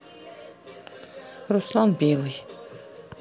руслан белый